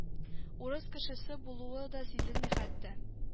Урыс кешесе булуы да сизелми хәтта